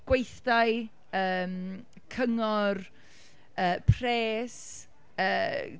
gweithdai, yym cyngor, yy pres, yy…